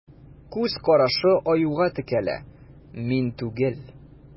Күз карашы Аюга текәлә: мин түгел.